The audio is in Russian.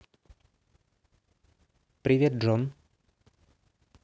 привет john